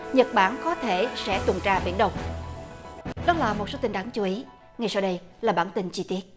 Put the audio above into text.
nhật bản có thể sẽ tuần tra biển đông đó là một số tin đáng chú ý ngay sau đây là bản tin chi tiết